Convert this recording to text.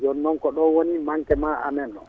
joninoon ko ɗo woni manquement amen o